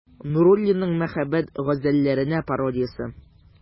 Нуруллинның «Мәхәббәт газәлләренә пародия»се.